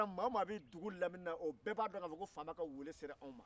maa o maa be dugu lamini o bɛɛ b'a dɔn ko faama ka weele sera a ma